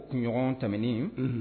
Kunɲɔgɔn tɛmɛnen